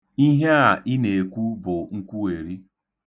Ihe a i na-ekwu bụ nkwugheri.